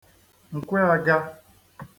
mkweāgā